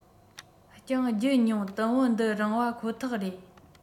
ཀྱང བརྒྱུད མྱོང དུམ བུ འདི རང པ ཁོ ཐག རེད